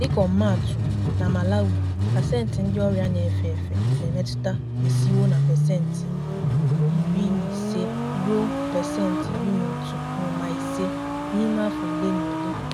Dịka ọmụmaatụ, na Malawi, pasentị ndị ọrịa na-efe efe na-emetụta esiwo na pasent 15 ruo 11.5% n'ime afọ ole na ole.